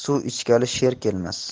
suv ichgali sher kelmas